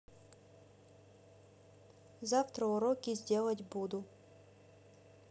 завтра уроки сделать буду